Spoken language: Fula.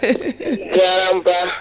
a jarama Ba